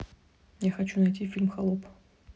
я хочу найти фильм холоп